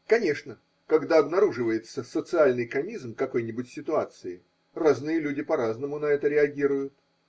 Конечно, когда обнаруживается социальный комизм какой-нибудь ситуации, разные люди по-разному на это реагируют.